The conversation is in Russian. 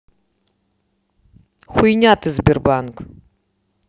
хуйня ты сбербанк